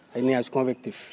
ay nuages convectifs